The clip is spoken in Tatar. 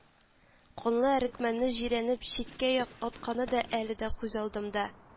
Канлы әрекмәнне җирәнеп читкә атканы әле дә күз алдымда: